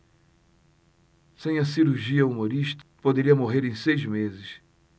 sem a cirurgia humorista poderia morrer em seis meses